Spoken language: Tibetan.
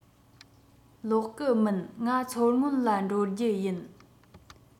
ལོག གི མིན ང མཚོ སྔོན ལ འགྲོ རྒྱུ ཡིན